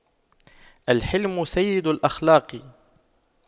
الحِلْمُ سيد الأخلاق